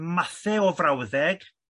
mathe o frawddeg